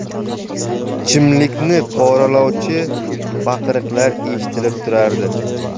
jimlikni poralovchi baqiriqlar eshitilib turardi